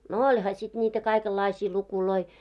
no olihan sitten niitä kaikenlaisia lukuja